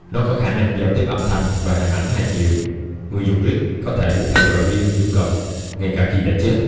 nó có khả năng giao tiếp âm thanh và hình ảnh hai chiều người dùng rig có thể được theo dõi riêng nếu cần ngay cả khi đã chết